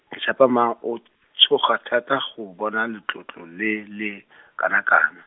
Ketshepamang o tshoga thata go bona letlotlo le le , kanakana.